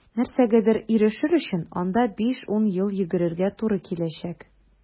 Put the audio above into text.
Нәрсәгәдер ирешер өчен анда 5-10 ел йөгерергә туры киләчәк.